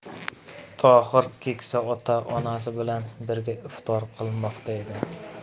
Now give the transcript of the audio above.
tohir keksa ota onasi bilan birga iftor qilmoqda edi